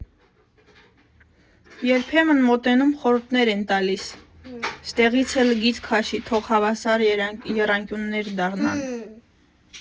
Երբեմն մոտենում, խորհուրդներ են տալիս («Ստեղից էլ գիծ քաշի, թող հավասար եռանկյուններ դառնան»)։